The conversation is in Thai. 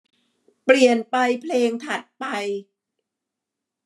เปลี่ยนไปเพลงถัดไป